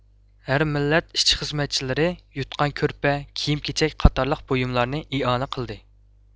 ھەر مىللەت ئىشچى خىزمەتچىلىرى يوتقان كۆرپە كىيىم كېچەك قاتارلىق بۇيۇملارنى ئىئانە قىلدى